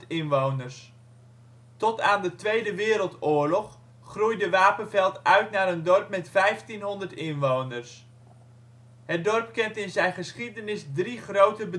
inwoners. Tot aan de Tweede Wereldoorlog groeide Wapenveld uit naar een dorp met 1500 inwoners. Het dorp kent in zijn geschiedenis drie grote